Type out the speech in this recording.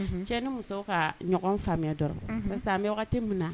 Cɛ ni musow ka ɲɔgɔn faamuya dɔrɔn san bɛ wagati min na